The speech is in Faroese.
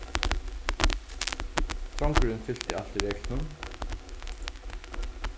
drongurin fylti altíð reglunum